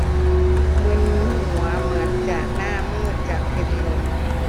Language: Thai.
มึนหัวเหมือนจะหน้ามืดจะเป็นลม